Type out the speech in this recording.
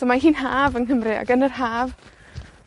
So mae hi'n Haf yng Nghymru, ag yn yr Haf,